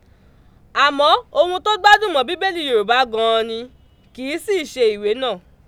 Àmọ́ ohun tó gbádùn mọ́ Bíbélì Yorùbá gan an ni, kì í sì í ṣe ìwé náà.